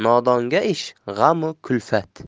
nodonga ish g'am u kulfat